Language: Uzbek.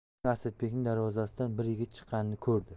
shunda asadbekning darvozasidan bir yigit chiqqanini ko'rdi